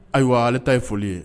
Ayiwa ale ta ye foli ye